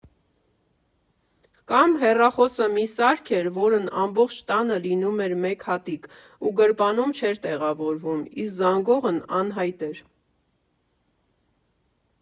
Կամ՝ հեռախոսը մի սարք էր, որն ամբողջ տանը լինում էր մեկ հատիկ ու գրպանում չէր տեղավորվում, իսկ զանգողն անհայտ էր։